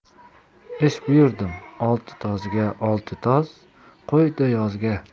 ish buyurdim olti tozga olti toz qo'ydi yozga